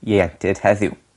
ieuenctid heddiw.